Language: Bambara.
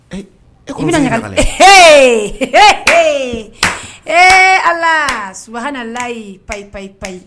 Kɔmi bɛna ɲaga h e ala sulayi payeyi payi